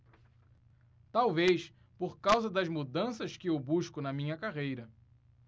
talvez por causa das mudanças que eu busco na minha carreira